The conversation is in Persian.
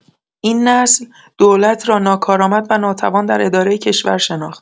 این نسل، دولت را ناکارآمد و ناتوان در اداره کشور شناخته